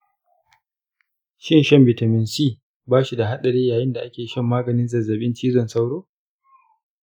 shin shan bitamin c ba shi da hadari yayin da ake shan maganin zazzabin cizon sauro?